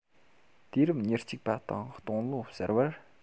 དུས རབས ཉེར གཅིག པ དང སྟོང ལོ གསར པར